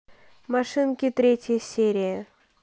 машинки третья серия